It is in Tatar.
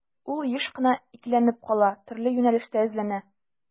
Ул еш кына икеләнеп кала, төрле юнәлештә эзләнә.